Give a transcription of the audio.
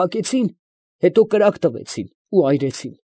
Փակեցին, հետո կրակ տվեցին, այրեցին։